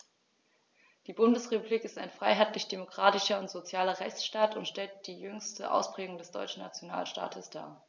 Die Bundesrepublik ist ein freiheitlich-demokratischer und sozialer Rechtsstaat und stellt die jüngste Ausprägung des deutschen Nationalstaates dar.